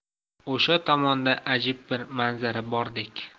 o'sha tomonda ajib bir manzara bordek